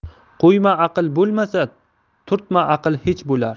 quyma aql bo'lmasa turtma aql hech bo'lar